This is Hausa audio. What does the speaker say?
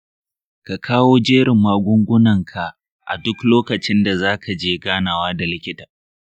ka kawo jerin magungunan ka a duk lokacin da za ka je ganawa da likita.